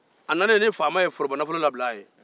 a nalen ni fama ye forobanafolo labira a ye